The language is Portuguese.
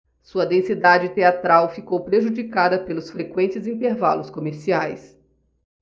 sua densidade teatral ficou prejudicada pelos frequentes intervalos comerciais